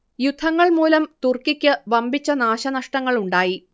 യുദ്ധങ്ങൾ മൂലം തുർക്കിക്ക് വമ്പിച്ച നാശനഷ്ടങ്ങളുണ്ടായി